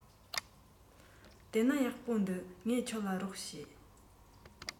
དེ ན ཡག པོ འདུག ངས ཁྱོད ལ རོགས བྱེད